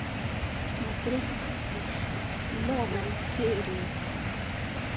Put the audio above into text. смотреть вспыш новые серии